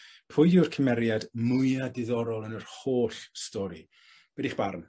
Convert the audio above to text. Pwy yw'r cymeriad mwya diddorol yn yr holl stori? Be 'di'ch barn?